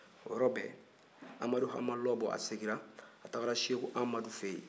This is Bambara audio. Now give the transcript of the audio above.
o yɔrɔ bɛ amadu hama lɔbɔ a seginna a taara seku amadu fɛ yen